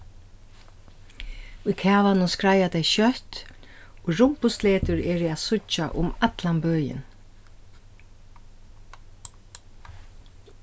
í kavanum skreiða tey skjótt og rumpusletur eru at síggja um allan bøin